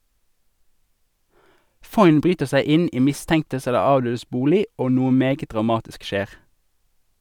Foyn bryter seg inn i mistenktes eller avdødes bolig og noe meget dramatisk skjer.